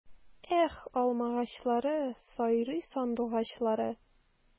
Эх, алмагачлары, сайрый сандугачлары!